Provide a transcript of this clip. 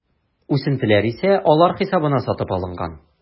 Үсентеләр исә алар хисабына сатып алынган.